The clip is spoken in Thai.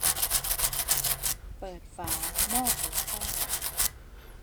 เปิดฝาหม้อหุงข้าว